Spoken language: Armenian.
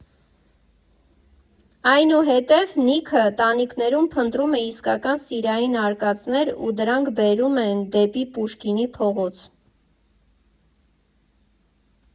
Այնուհետև Նիքը տանիքներում փնտրում է իսկական սիրային արկածներ ու դրանք բերում են դեպի Պուշկինի փողոց։